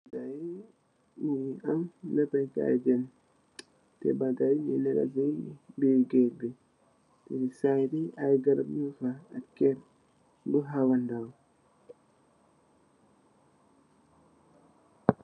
Li mungi am nappeh kaay jheen, ta banta yi mungi neka ci birr guage bi. Ci side ui ay garap nyung fa ak keur bu hawa ndaw.